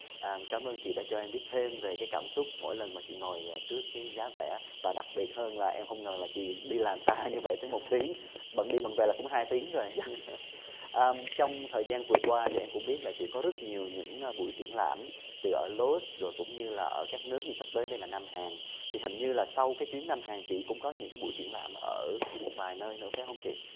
à cám ơn chị đã cho biết thêm về cái cảm xúc mỗi lần mà chỉ ngồi trước cái giá vẻ và đặc biệt hơn là em không ngờ là chị đi làm xa như vậy tới một tiếng bận đi bận về là cũng hai tiếng rồi à trong thời gian vừa qua thì em cũng biết là chỉ có rất nhiều những buổi triển lãm tựa lút rồi cũng như là ở các nước như sắp tới đây là nam hán thì hình như là sau cái chuyến nam hàng chị cũng có những cái buổi triển lãm ở một vài nơi nữa phải hôn chị